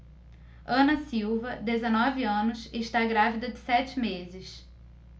ana silva dezenove anos está grávida de sete meses